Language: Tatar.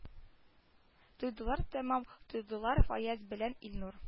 Туйдылар тәмам туйдылар фаяз белән илнур